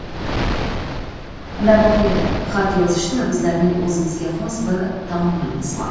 darvoqe xat yozishda bizlarning o'zimizga xos bir taomilimiz bor